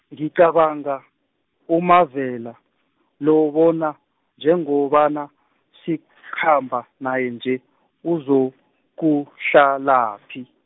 ngicabanga, uMavela, lo bona, njengobana sikhamba naye nje, uzokuhlalaphi.